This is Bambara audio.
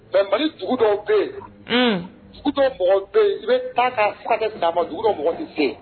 Mais Mali dugu dɔ be yen. Un Dugu dɔ mɔgɔw be yen i be taa ka fo ka taa san ban dugu dɔ mɔgɔ ti se yen